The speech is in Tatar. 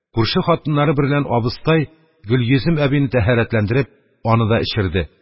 Күрше хатыннары берлән абыстай, Гөлйөзем әбине тәһарәтләндереп, аны да эчерде.